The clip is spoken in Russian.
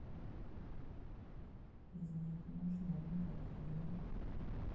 из них нужно выбрать один